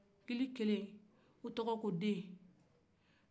kili kelen o tɔgɔ ye ko den